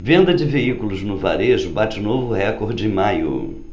venda de veículos no varejo bate novo recorde em maio